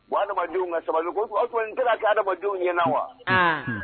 O adamadenw ka sabali ko n tɛ ka adamadenw ɲɛna wa